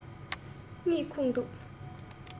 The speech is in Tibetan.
གཉིད ཁུག འདུག